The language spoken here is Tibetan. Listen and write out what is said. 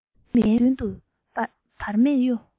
ངའི མིག མདུན དུ བར མེད གཡོ